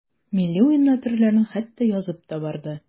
Милли уеннар төрләрен хәтта язып та барды.